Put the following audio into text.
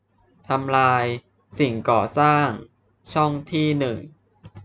ทำลายสิ่งก่อสร้างช่องที่หนึ่ง